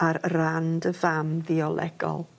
ar ran dy fam fiolegol.